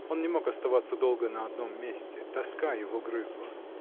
Он не мог оставаться долго на одном месте: тоска его грызла